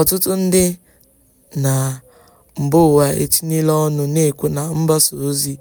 Ọtụtụ ndị na mba ụwa etinyela ọnụ na-ekwu na mgbasaozi